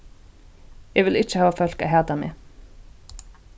eg vil ikki hava fólk at hata meg